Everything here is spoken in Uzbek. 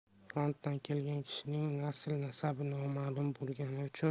frontdan kelgan kishining nasl nasabi noma'lum bo'lgani uchun